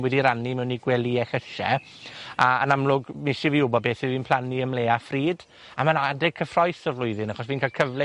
wedi rannu mewn i gwelye llysie, a, yn amlwg, nes i fi wbod beth fy' fi'n plannu ym mle a phryd. A ma'n adeg cyffrous o'r flwyddyn, achos fi'n ca'l cyfle